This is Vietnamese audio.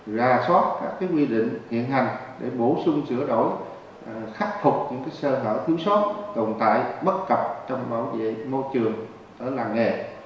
rà soát các cái quy định hiện hành để bổ sung sửa đổi khắc phục những cái sơ hở thiếu sót tồn tại bất cập trong bảo vệ môi trường ở làng nghề